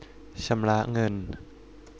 ชำระเงิน